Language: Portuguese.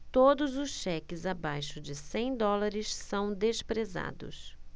todos os cheques abaixo de cem dólares são desprezados